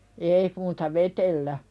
ei muuta vedellä